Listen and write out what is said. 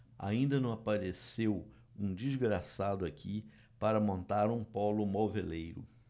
ainda não apareceu um desgraçado aqui para montar um pólo moveleiro